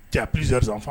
Cɛprizri zanfa